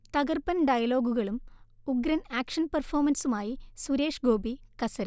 തകർപ്പൻ ഡയലോഗുകളും ഉഗ്രൻ ആക്ഷൻ പെർഫോമൻസുമായി സുരേഷ്ഗോപി കസറി